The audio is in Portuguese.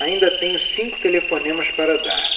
ainda tenho cinco telefonemas para dar